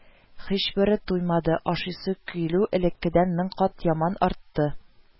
Һичбере туймады, ашыйсы килү элеккедән мең кат яман артты